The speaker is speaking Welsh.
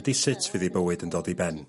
ydi sut fydd 'i bywyd yn dod i ben.